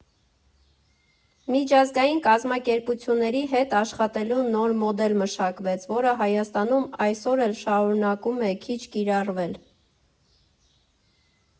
Միջազգային կազմակերպությունների հետ աշխատելու նոր մոդել մշակվեց, որը Հայաստանում այսօր էլ շարունակում է քիչ կիրառվել.